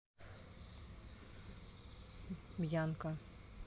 бьянка